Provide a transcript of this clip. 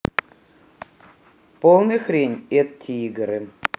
полная хрень эти игры